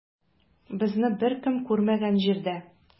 Безне беркем күрмәгән җирдә.